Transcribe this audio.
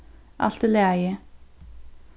alt í lagi